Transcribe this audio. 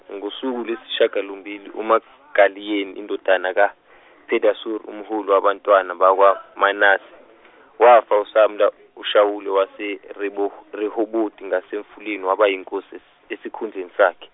ngesuku losishaka lombili umaGaliyeli indodana kaPhedashuri umholi wabantwana bakwaManase, Wafa uSamla waseRebo- waseRehoboti ngase mfulweni waba inkosi es- esikhundleni sakhe.